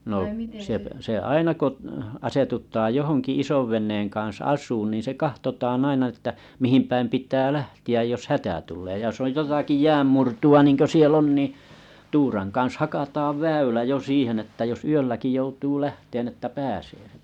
no se - se aina kun asetutaan johonkin isonveneen kanssa asumaan niin se katsotaan aina että mihin päin pitää lähteä jos hätä tulee ja jos on jotakin jään murtoa niin kuin siellä on niin tuuran kanssa hakataan väylä jo siihen että jos yölläkin joutuu lähtemään että pääsee